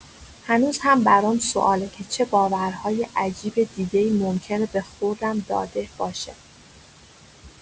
هنوز هم برام سواله که چه باورهای عجیب دیگه‌ای ممکنه به خوردم داده باشه.